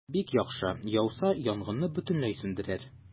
Бик яхшы, яуса, янгынны бөтенләй сүндерер.